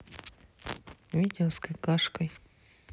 видео с какашкой